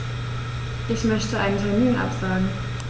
Ich möchte einen Termin absagen.